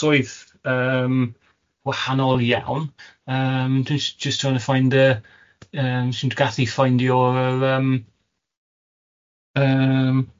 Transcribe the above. swydd yym wahanol iawn, yym jyst jyst trying to find yy yym s- gallu ffeindio'r yr yym, yym